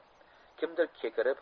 kimdir kekirib